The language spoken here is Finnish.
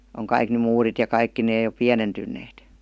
on kaikki nyt muurit ja kaikki ne jo pienentyneet